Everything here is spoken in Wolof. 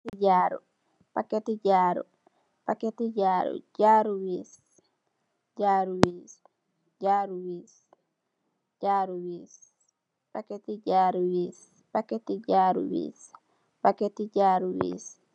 Jaarou, packeti jaarou, packeti jaarou, jaarou wiss, jaarou wiss, jaarou wiss, jaarou wiss, packeti jaarou wiss, packeti jaarou wiss, packeti jaarou wiss.